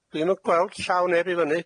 Dwi'm yn gweld llaw neb i fyny.